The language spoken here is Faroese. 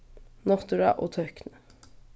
náttúra og tøkni